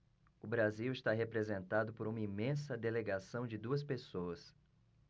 o brasil está representado por uma imensa delegação de duas pessoas